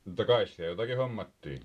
mutta kai siellä jotakin hommattiin